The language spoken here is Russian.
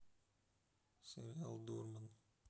сериал дурман